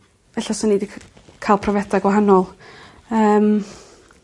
ella swn i 'di c- ca'l profiada gwahanol. Yym.